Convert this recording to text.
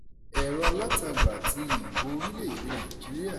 Ẹ̀rọ-alátagbà àti ìbò orílẹ̀-èdè Nàìjíríà